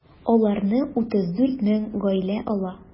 Аларны 34 мең гаилә ала.